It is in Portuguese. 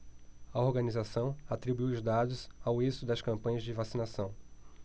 a organização atribuiu os dados ao êxito das campanhas de vacinação